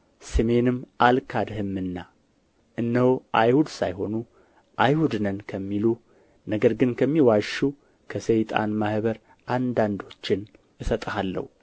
ስሜንም አልካድህምና እነሆ አይሁድ ሳይሆኑ አይሁድ ነን ከሚሉ ነገር ግን ከሚዋሹ ከሰይጣን ማኅበር አንዳንዶችን እሰጥሃለሁ